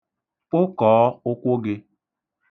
Kpụkọọ ụkwụ gị.